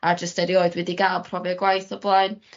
A jyst erioed wedi ga'l profiad gwaith o blaen.